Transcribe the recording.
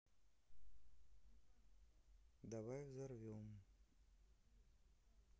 давай взорвем